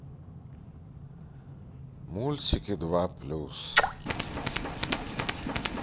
мультики два плюс